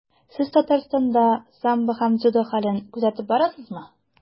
Сез Татарстанда самбо һәм дзюдо хәлен күзәтеп барасызмы?